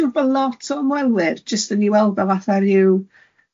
dwi'n siŵr bod lot o ymwelwyr jyst yn ei weld o fatha ryw